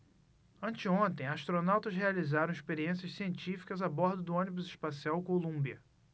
anteontem astronautas realizaram experiências científicas a bordo do ônibus espacial columbia